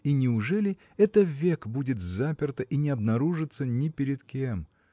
И неужели это век будет заперто и не обнаружится ни перед кем?